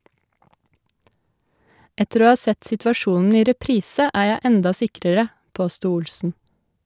- Etter å ha sett situasjonen i reprise, er jeg enda sikrere, påsto Olsen.